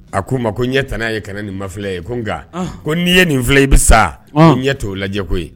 A ko' ma ko n ɲɛ t n'a ye kɛnɛ nin mafi ye ko nka ko n'i ye nin fila i bɛ sa' ɲɛ t'o lajɛ koyi ye